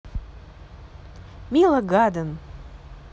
мила гадон